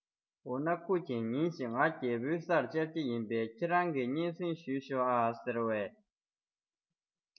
འོ ན སྐུ མཁྱེན ཉིན ཞིག ང རྒྱལ པོའོ སར བཅར གྱི ཡིན པས ཁྱེད རང གིས སྙན གསེང ཞུས ཤོག ཨ ཟེར བས